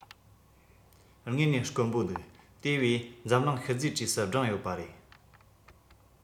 དངོས གནས དཀོན པོ འདུག དེ བས འཛམ གླིང ཤུལ རྫས གྲས སུ བསྒྲེངས ཡོད པ རེད